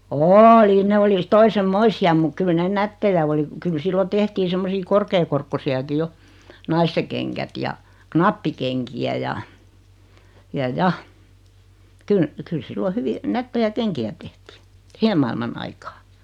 oli ne oli toisenlaisia mutta kyllä ne nättejä oli kyllä silloin tehtiin semmoisia korkeakorkoisiakin jo naisten kengät ja nappikenkiä ja ja ja - kyllä silloin hyvin nättejä kenkiä tehtiin siihen maailman aikaan